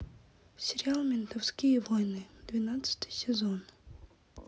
сериал ментовские войны двенадцатый сезон